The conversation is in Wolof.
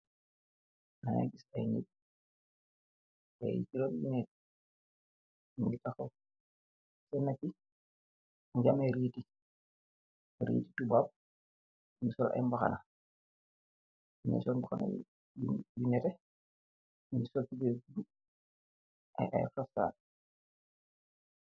Maayii gis ay nit bay giroon yu nit ngi taxaw sennaki njame riiti riiti tubab yuni sol ay mbaxana yinesoon buxone yu nete yuni sol tuberbu ay ay xrastaan